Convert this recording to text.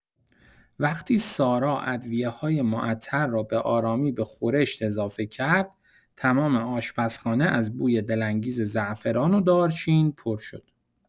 وقتی سارا ادویه‌های معطر را به‌آرامی به خورش اضافه کرد، تمام آشپزخانه از بوی دل‌انگیز زعفران و دارچین پر شد.